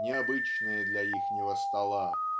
необычное для ихнего стола